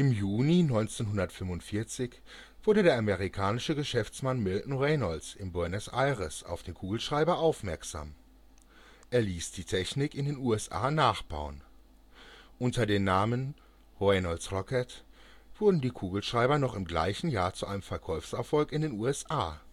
Juni 1945 wurde der amerikanische Geschäftsmann Milton Reynolds in Buenos Aires auf den Kugelschreiber aufmerksam. Er ließ die Technik in den USA nachbauen. Unter dem Namen Reynolds ' Rocket wurden die Kugelschreiber noch im gleichen Jahr zu einem Verkaufserfolg in den USA